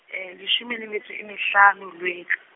leshome le metso e mehlano, Lwe- .